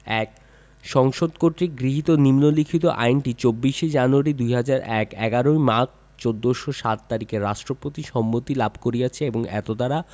১. সংসদ কর্তৃক গৃহীত নিম্নলিখিত আইনটি ২৪শে জানুয়ারী ২০০১ ১১ই মাঘ ১৪০৭ তারিখে রাষ্ট্রপতির সম্মতি লাভ করিয়অছে এবং এতদ্বারা